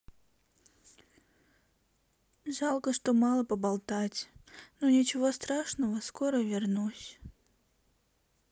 жалко что мало поболтать но ничего страшного скоро вернусь